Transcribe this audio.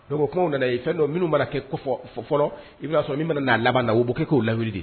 Don kɔnw nana ye fɛn dɔ minnu mana kɛ fɔlɔ i'a sɔrɔ min mana n'a laban na u bɔ k'o lawu